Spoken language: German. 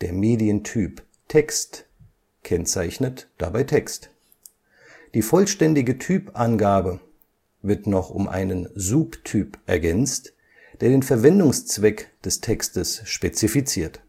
Medientyp text kennzeichnet dabei Text. Die vollständige Typangabe wird noch um einen Subtyp ergänzt, der den Verwendungszweck des Textes spezifiziert